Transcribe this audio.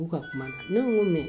Ku ka kuma. Ne ko n ko mais